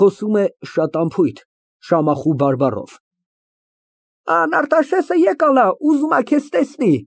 Խոսում է շատ անփույթ, Շամախու բարբառով) Ան Արտաշեսը եկալ ա, ուզում ա քեզ տեսնի։